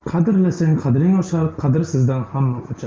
qadrlasang qadring oshar qadrsizdan hamma qochar